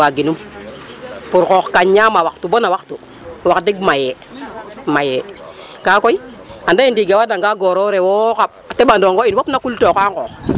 Waaginum pour xoox kaam ñaamaa waxtu bo no waxtu wax deg mayee, mayee ka koy anda yee ndiig a fadanga goor o rew o xa teɓandong o in fop naa qultuwa nqoox